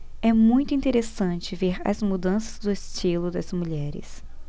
é muito interessante ver as mudanças do estilo das mulheres